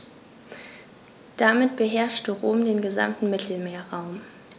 Damit beherrschte Rom den gesamten Mittelmeerraum.